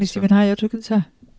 Wnest ti fwynhau o tro cynta?